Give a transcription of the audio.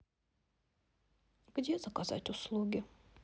где заказать услуги